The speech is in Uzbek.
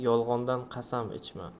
yolg'ondan qasam ichma